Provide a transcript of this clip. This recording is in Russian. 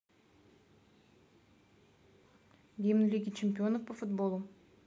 гимн лиги чемпионов по футболу